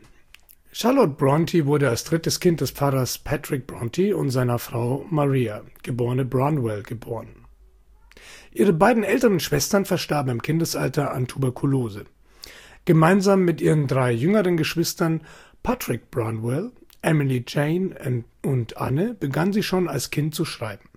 Charlotte Brontë wurde als drittes Kind des Pfarrers Patrick Brontë und seiner Frau Maria, geb. Branwell, geboren. Ihre beiden älteren Schwestern verstarben im Kindesalter an Tuberkulose. Gemeinsam mit ihren drei jüngeren Geschwistern Patrick Branwell, Emily Jane und Anne begann sie schon als Kind zu schreiben